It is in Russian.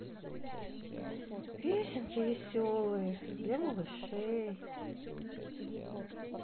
песенки веселые для малышей